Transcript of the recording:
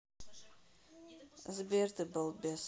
сбер ты балбес